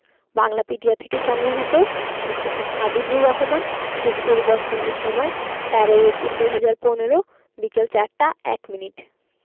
বাংলাপিডিয়া থেকে সংগৃহীত লিখেছেন: হাবিবুর রহমান শেষ পরিবর্তনের সময়ঃ১৩ এপ্রিল ২০১৫ বিকেল ৪টা ১ মিনিট